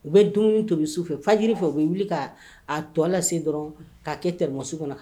U bɛ dumuni tobi su fɛ faji fɛ u bɛ wuli k ka a tɔ lase dɔrɔn k'a kɛ tɛsu kɔnɔ kan